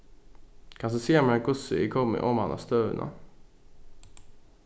kanst tú siga mær hvussu eg komi oman á støðuna